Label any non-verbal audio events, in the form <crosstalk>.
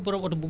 <hesitation> <hesitation>